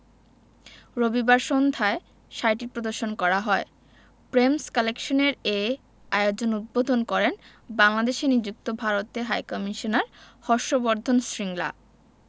রবিবার সন্ধ্যায় শাড়িটি প্রদর্শন করা হয় প্রেমস কালেকশনের এ আয়োজন উদ্বোধন করেন বাংলাদেশে নিযুক্ত ভারতের হাইকমিশনার হর্ষ বর্ধন শ্রিংলা